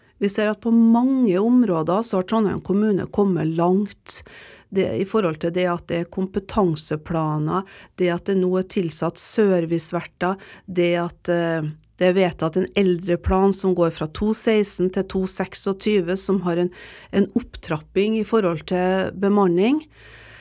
vi ser at på mange områder så har Trondheim kommune kommet langt det i forhold til det at det er kompetanseplaner det at det nå er tilsatt serviceverter det at det er vedtatt en eldreplan som går fra to 16 til to 26 som har en en opptrapping i forhold til bemanning.